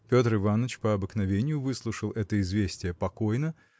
Петр Иваныч по обыкновению выслушал это известие покойно